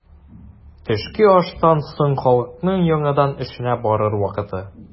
Төшке аштан соң халыкның яңадан эшенә барыр вакыты.